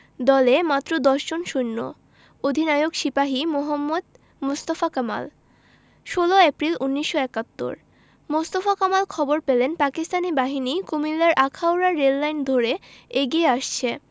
দলে মাত্র দশজন সৈন্য অধিনায়ক সিপাহি মোহাম্মদ মোস্তফা কামাল ১৬ এপ্রিল ১৯৭১ মোস্তফা কামাল খবর পেলেন পাকিস্তানি বাহিনী কুমিল্লার আখাউড়া রেললাইন ধরে এগিয়ে আসছে